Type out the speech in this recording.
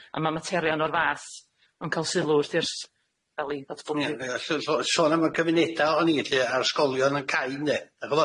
A ma' materion o'r fath yn ca'l sylw wrth i'r s- fel i ddatblygu... Ie, ie. Isio so- sôn am y cymuneda o- o'n i lly, a'r ysgolion yn cau, ynde? 'Da'ch'm'o'?